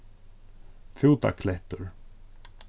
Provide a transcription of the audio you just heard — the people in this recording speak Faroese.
fútaklettur